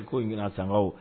I ko ɲɛna sankaw